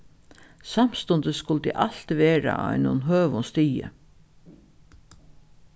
samstundis skuldi alt vera á einum høgum stigi